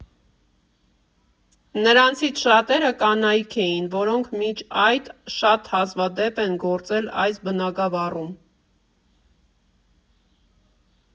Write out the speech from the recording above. Նրանցից շատերը կանայք էին, որոնք մինչ այդ շատ հազվադեպ են գործել այս բնագավառում։